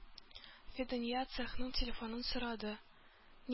Фидания цехның телефонын сорады.